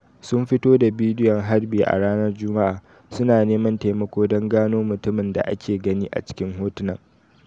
Sun fito da bidiyon harbi a ranar Juma'a, su na neman taimako don gano mutumin da aka gani a cikin hotunan.